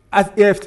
A